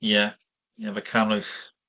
Ie, ie efo cannwyll.